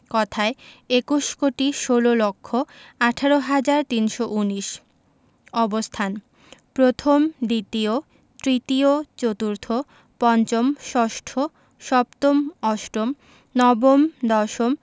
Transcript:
কথায়ঃ একুশ কোটি ষোল লক্ষ আঠারো হাজার তিনশো উনিশ অবস্থানঃ প্রথম দ্বিতীয় তৃতীয় চতুর্থ পঞ্চম ষষ্ঠ সপ্তম অষ্টম নবম দশম